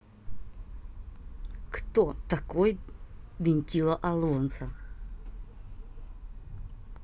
кто такой винтила алонса